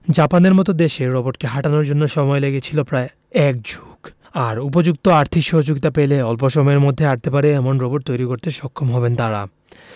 জাপানের মতো দেশে রোবটকে হাঁটানোর জন্য সময় লেগেছিল প্রায় এক যুগ আর উপযুক্ত আর্থিক সহায়তা পেলে অল্প সময়ের মধ্যেই হাঁটতে পারে এমন রোবট তৈরি করতে সক্ষম হবেন তারা